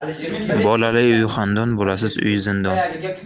bolali uy xandon bolasiz uy zindon